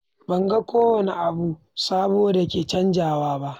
Ban ga kowane abu sabo da ke canjawa."